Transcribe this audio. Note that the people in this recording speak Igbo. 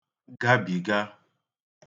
gabìgà